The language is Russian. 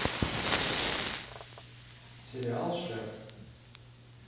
сериал шеф